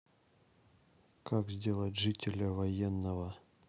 как сделать жителя военного